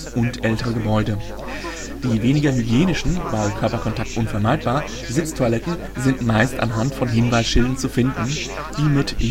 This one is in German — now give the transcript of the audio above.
Gebäude. Die weniger hygienischen (weil Körperkontakt unvermeidbar) Sitztoiletten sind meist anhand von Hinweisschildern zu finden, die mit